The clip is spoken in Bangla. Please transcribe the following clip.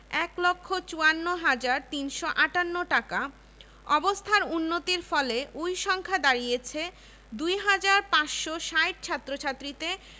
বিশদ পরিকল্পনা এবং এর আর্থিক সংশ্লেষ সংক্রান্ত প্রতিবেদন উপস্থাপনের নির্দেশ দেন এতদুদ্দেশ্যে ২৭ মে লন্ডনের ব্যারিস্টার রবার্ট নাথানকে প্রধান করে